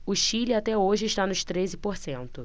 o chile até hoje está nos treze por cento